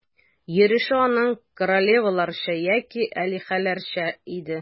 Йөреше аның королеваларча яки алиһәләрчә иде.